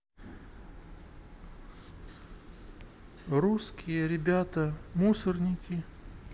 русские ребята мусорники